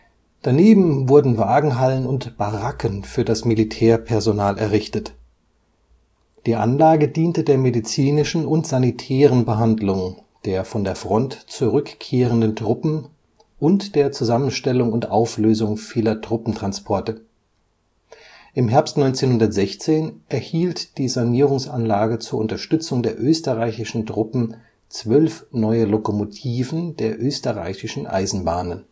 Daneben wurden Wagenhallen und Baracken für das Militärpersonal errichtet. Die Anlage diente der medizinischen und sanitären Behandlung der von der Front zurückkehrenden Truppen und der Zusammenstellung und Auflösung vieler Truppentransporte. Im Herbst 1916 erhielt die Sanierungsanlage zur Unterstützung der österreichischen Truppen zwölf neue Lokomotiven der österreichischen Eisenbahnen